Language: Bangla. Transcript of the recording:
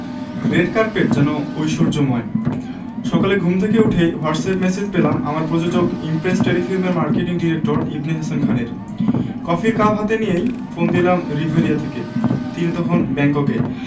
রেড কার্পেট যেন ঐশ্বর্যময় সকালে ঘুম থেকে উঠেই হোয়াটসঅ্যাপ ম্যাসেজ পেলাম আমার প্রযোজক ইমপ্রেস টেলিফিল্মের মার্কেটিং ডিরেক্টর ইবনে হাসান খানের কফির কাপ হাতেই নিয়ে ফোন দিলাম রিভেরিয়া থেকে তিনি তখন ব্যাংককে